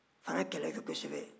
u fana ye kɛlɛ kɛ kosɛbɛ